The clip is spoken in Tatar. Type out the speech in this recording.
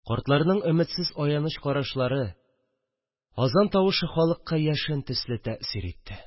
Картларның өметсез аяныч карашлары, азан тавышы халыкка яшен төсле тәэсир итте